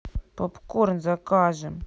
попкорн закажем